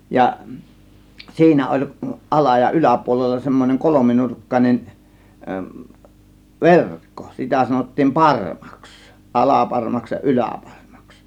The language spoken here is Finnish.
ja siinä oli ala ja yläpuolella semmoinen kolminurkkainen verkko sitä sanottiin parmaksi alaparmaksi ja yläparmaksi